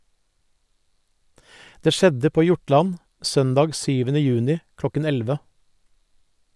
Det skjedde på Hjortland, søndag 7. juni kl. 11.